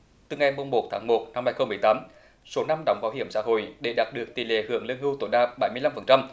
từ ngày mùng một tháng một năm hai không mười tám số năm đóng bảo hiểm xã hội để đạt được tỉ lệ hưởng lương hưu tối đa bảy mươi lăm phần trăm